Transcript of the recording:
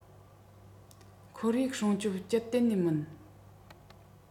ཁོར ཡུག སྲུང སྐྱོབ ཅུད གཏན ནས མིན